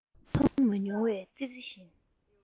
མཐོང མ མྱོང བའི ཙི ཙི བཞིན